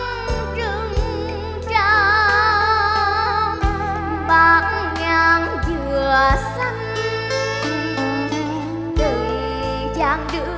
mênh mông rừng tràm bạt ngàn ngàn dừa xanh từng chang